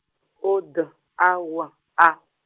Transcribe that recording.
O D A W A.